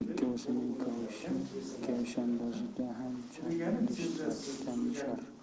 ikki ovsinning kavushi kavshandozda ham chandishar